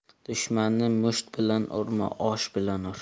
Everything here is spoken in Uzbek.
dushmanni musht bilan urma osh bilan ur